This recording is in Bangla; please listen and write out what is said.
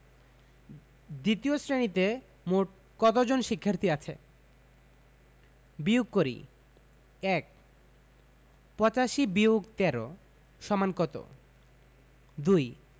দ্বিতীয় শ্রেণিতে মোট কত জন শিক্ষার্থী আছে বিয়োগ করিঃ ১ ৮৫-১৩ = কত ২